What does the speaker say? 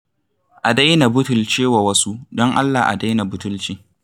A daina butulcewa wasu, don Allah a daina butulci.